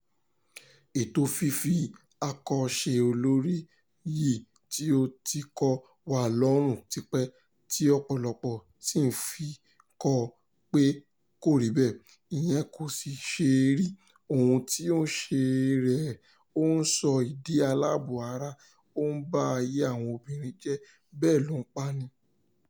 Ètò fífi akọ ṣe olórí yìí tí ó ti kọ́ wa lọ́rùn tipẹ́ tí ọ̀pọ̀lọpọ̀ sì ń kọ̀ pé kò rí bẹ́ẹ̀ – ìyẹn kò sì ṣe é rí – ohun tí ó ń ṣe rè é: ó ń sọni di aláàbọ̀-ara, ó ń ba ayé àwọn obìnrin jẹ́, bẹ́ẹ̀ ló ń pani.